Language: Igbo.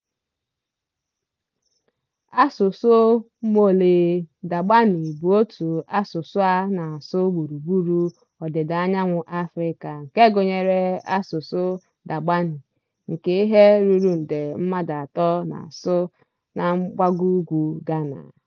Asụsụ Mole-Dagbani bụ òtù asụsụ a na-asụ gburugburu Ọdịdaanyanwụ Afrịka nke gụnyere asụsụ Dagbani nke ihe ruru nde mmadụ atọ na-asụ na mgbagougwu Ghana.